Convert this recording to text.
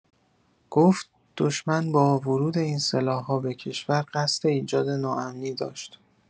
گفت «دشمن با ورود این سلاح‌ها به کشور قصد ایجاد ناامنی داشت.»